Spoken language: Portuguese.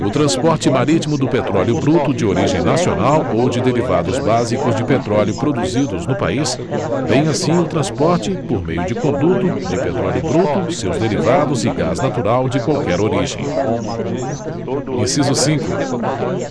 o transporte marítimo do petróleo bruto de origem nacional ou de derivados básicos de petróleo produzidos no país bem assim o transporte por meio de conduto de petróleo bruto seus derivados e gás natural de qualquer origem inciso cinco